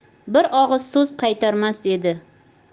bir og'iz so'z qaytarmas edi